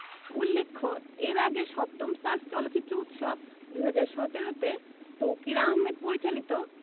উল্লেখ্য এর আগে ৭ম সার্ক চলচ্চিত্র উৎসব ২০১৭ তে তৌকীর আহমেদ পরিচালিত